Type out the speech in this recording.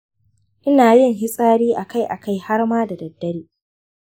ina yin fitsari akai akai harma da daddare.